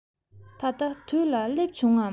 ད ལྟ དུས ལ བསླེབས བྱུང ངམ